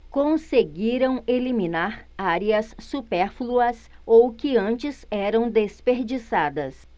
conseguiram eliminar áreas supérfluas ou que antes eram desperdiçadas